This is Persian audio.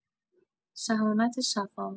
شهامت شفا